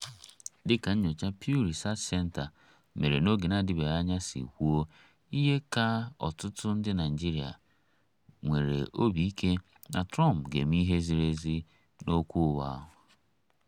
Dị ka nnyocha Pew Research Center mere n'oge na-adibeghị anya a si kwuo, ihe ka ọtụtụ ndị Naịjirịa "nwere obi ike" na Trump "ga-eme ihe ziri ezi n'okwu ụwa".